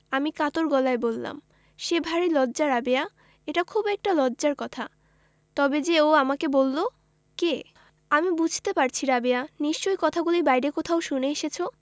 আমি কাতর গলায় বললাম সে ভারী লজ্জা রাবেয়া এটা খুব একটা লজ্জার কথা তবে যে ও আমাকে বললো কে আমি বুঝতে পারছি রাবেয়া নিশ্চয়ই কথাগুলি বাইরে কোথাও শুনে এসেছ